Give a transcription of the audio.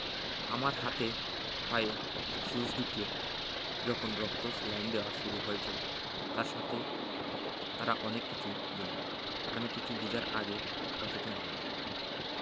আমার হাতে পায়ে সুচ ঢুকিয়ে তখন রক্ত স্যালাইন দেওয়া শুরু হয়েছে তার সাথে তারা অন্য কিছু দিলেন আমি কিছু বোঝার আগে অচেতন হয়ে গেলাম